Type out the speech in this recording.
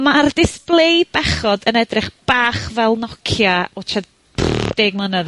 ma' â'r display bechod yn edrych bach fel Nokia o tua deg mlynedd